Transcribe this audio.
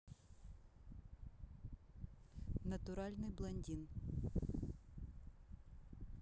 натуральный блондин